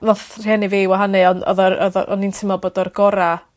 Nath rhieni fi wahanu a odd odd yr o'n i'n timlo bod o'r gora